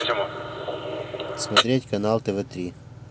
смотреть канал тв три